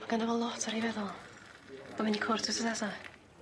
Ma' ganddo fo lot ar 'i feddwl. Ma'n mynd i cwrt wsos nesa.